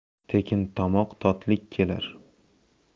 tekin tomoq totlik kelar